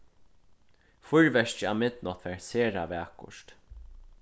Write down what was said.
fýrverkið á midnátt var sera vakurt